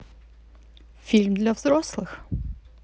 фильм для взрослых